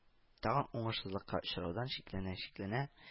Тагын уңышсызлыкка очраудан шикләнә-шикләнә